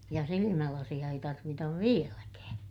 ja silmälaseja ei tarvita vieläkään